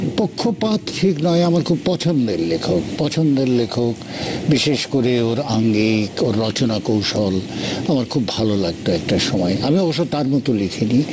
পক্ষপাত ঠিক নয় আমার খুব পছন্দের লেখক পছন্দের লেখক বিশেষ করে ওর আঙ্গিক রচনা কৌশল আমার খুব ভাল লাগত একটা সময় আমি অবশ্য তার তার মতো লিখিনি